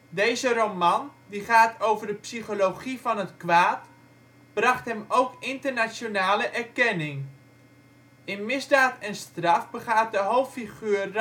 Deze roman, die gaat over de psychologie van het kwaad, bracht hem ook internationale erkenning. In Misdaad en Straf begaat de hoofdfiguur